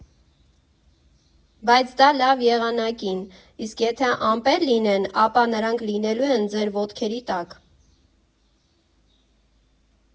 Բայց դա լավ եղանակին, իսկ եթե ամպեր լինեն, ապա նրանք լինելու են ձեր ոտքերի տակ։